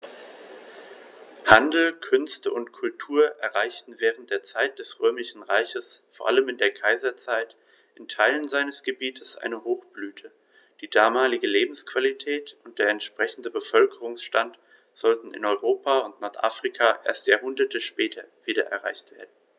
Handel, Künste und Kultur erreichten während der Zeit des Römischen Reiches, vor allem in der Kaiserzeit, in Teilen seines Gebietes eine Hochblüte, die damalige Lebensqualität und der entsprechende Bevölkerungsstand sollten in Europa und Nordafrika erst Jahrhunderte später wieder erreicht werden.